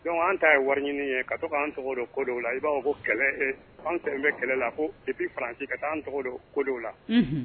Dɔnku an ta ye wari ɲini ye ka to an tɔgɔ don ko dɔw la i b'a fɔ ko kɛlɛ tɛ bɛ kɛlɛ la i fan ka an tɔgɔ don ko dɔw la